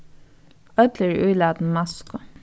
øll eru ílatin masku